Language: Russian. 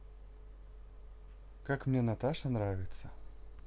как мне наташа нравится